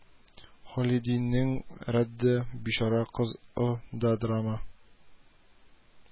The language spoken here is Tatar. Халидинең Рәдде бичара кыз ы да драма